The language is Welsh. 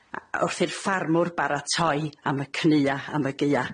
wrth i'r ffarmwr baratoi am y cnua am y Geua.